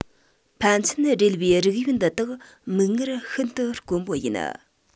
ཕན ཚུན སྦྲེལ བའི རིགས དབྱིབས འདི དག མིག སྔར ཤིན ཏུ དཀོན པོ ཡིན